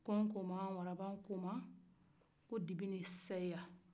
kon koma waraba koma ko dibi ni sɛya